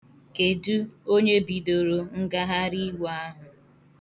Kedu onye bidoro ngagharịiwe ahụ?